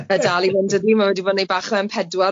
ma' fe 'di bod yn neud bach o Em pedwar 'fyd.